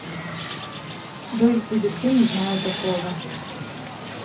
дождь будет я не знаю такого